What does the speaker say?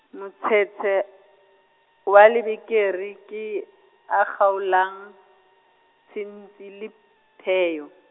motshetshe, wa lebekere ke, o kgaolang, tshintshi, lepheyo.